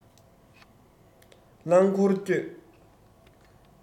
རླང འཁོར བསྐྱོད